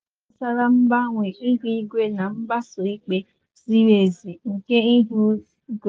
Ọ na-enwe mmetụta gbasara mgbanwe ihu igwe na mgbaso ikpe ziri ezi nke ihu igwe.